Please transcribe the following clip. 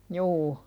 juu